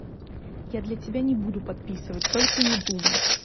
я для тебя не буду подписывать только не думай